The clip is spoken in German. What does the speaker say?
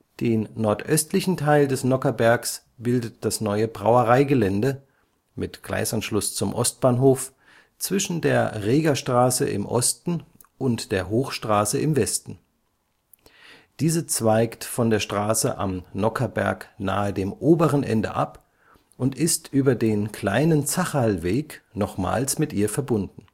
Den nordöstlichen Teil des Nockherbergs bildet das neue Brauereigelände – mit Gleisanschluss zum Ostbahnhof – zwischen der Regerstraße im Osten und der Hochstraße im Westen. Diese zweigt von der Straße Am Nockherberg nahe dem oberen Ende ab und ist über den kleinen Zacherlweg nochmals mit ihr verbunden